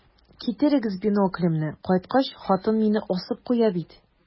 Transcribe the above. Китерегез биноклемне, кайткач, хатын мине асып куя бит.